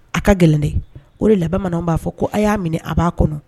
A ka gɛlɛnde o de laban b'a fɔ ko a y'a minɛ a b'a kɔnɔ